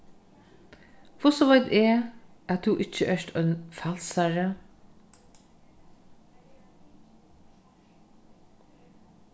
hvussu veit eg at tú ikki ert ein falsari